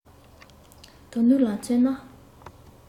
དོ ནུབ ལ མཚོན ན